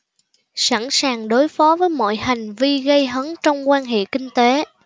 sẵn sàng đối phó với mọi hành vi gây hấn trong quan hệ kinh tế